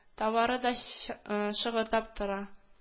Товары да шыгырдап тора